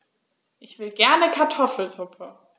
Ich will gerne Kartoffelsuppe.